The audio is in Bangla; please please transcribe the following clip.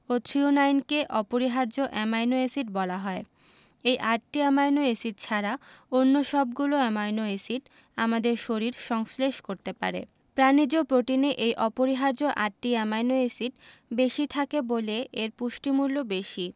ও থ্রিওনাইনকে অপরিহার্য অ্যামাইনো এসিড বলা হয় এই আটটি অ্যামাইনো এসিড ছাড়া অন্য সবগুলো অ্যামাইনো এসিড আমাদের শরীর সংশ্লেষ করতে পারে প্রাণিজ প্রোটিনে এই অপরিহার্য আটটি অ্যামাইনো এসিড বেশি থাকে বলে এর পুষ্টিমূল্য বেশি